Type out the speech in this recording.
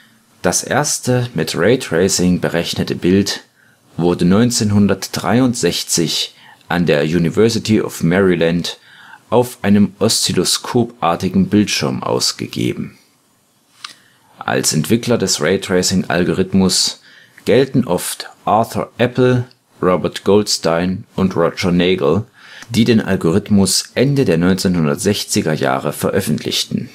Das erste mit Raytracing berechnete Bild wurde 1963 an der University of Maryland auf einem oszilloskopartigen Bildschirm ausgegeben. Als Entwickler des Raytracing-Algorithmus gelten oft Arthur Appel, Robert Goldstein und Roger Nagel, die den Algorithmus Ende der 1960er Jahre veröffentlichten